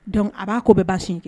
Donc a b'a ko bɛ ban siɲɛ 1